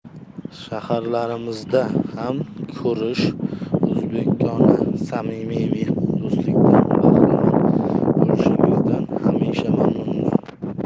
shaharlarimizda ham ko'rish o'zbekona samimiy mehmondo'stlikdan bahramand bo'lishingizdan hamisha mamnunmiz